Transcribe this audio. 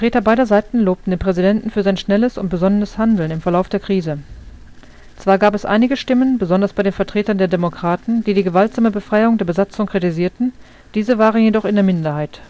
beider Seiten lobten den Präsidenten für sein schnelles und besonnenes Handeln im Verlauf der Krise. Zwar gab es einige Stimmen, besonders bei Vertretern der Demokraten, die die gewaltsame Befreiung der Besatzung kritisierten, diese waren jedoch in der Minderheit